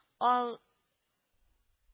Ал